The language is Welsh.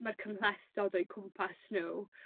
ma'r cymhlethdod o'u cwmpas n'w